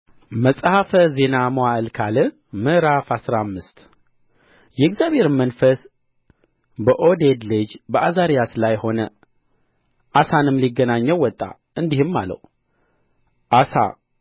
መጽሐፈ ዜና መዋዕል ካልዕ ምዕራፍ አስራ አምስት የእግዚአብሔርም መንፈስ በዖዴድ ልጅ በዓዛርያስ ላይ ሆነ አሳንም ሊገናኘው ወጣ እንዲህም አለው አሳ